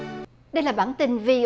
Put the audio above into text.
đây là bản tin vi